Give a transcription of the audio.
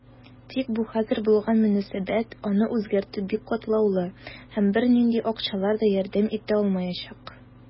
Тик бу хәзер булган мөнәсәбәт, аны үзгәртү бик катлаулы, һәм бернинди акчалар да ярдәм итә алмаячак.